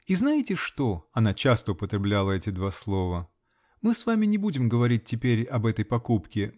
И знаете что (она часто употребляла эти два слова): мы с вами не будем говорить теперь об этой покупке